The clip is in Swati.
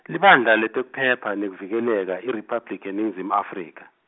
Libandla Letekuphepha nekuVikeleka IRiphabliki yeNingizimu Afrika.